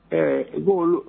Ɛɛ b' wolo